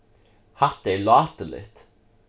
hatta er láturligt